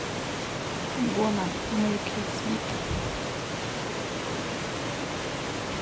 гона мейк ю свит